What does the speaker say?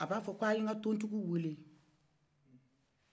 a b'a fɔ k'a ye n'ka siratigiw wele